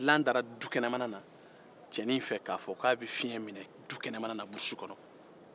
cɛnin ye dilan da dukɛnɛmanan na k'a fɔ k'a bɛ fiɲɛ minɛ